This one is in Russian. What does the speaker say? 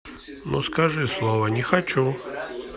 ну скажи слово не хочу